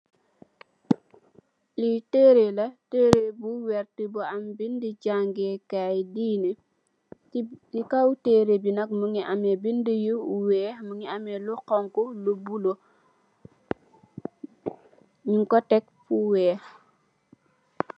Li teré la teré bu werta bu am bindi jangèè kai diina ci kaw teré bi nak mugii ameh bindi yu wèèx mugii ameh lu xonxu lu bula ñing ko tèk fu wèèx.